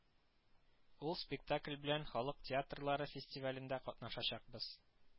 Ул спектакль белән халык театрлары фестивалендә катнашачакбыз